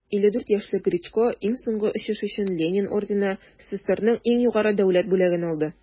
54 яшьлек гречко иң соңгы очыш өчен ленин ордены - сссрның иң югары дәүләт бүләген алды.